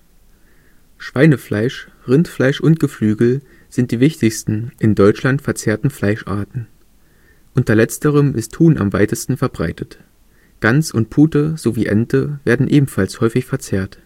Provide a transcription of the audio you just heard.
Schweinefleisch, Rindfleisch und Geflügel sind die wichtigsten in Deutschland verzehrten Fleischarten. Unter Letzterem ist Huhn am meisten verbreitet, Gans und Pute sowie Ente werden ebenfalls häufig verzehrt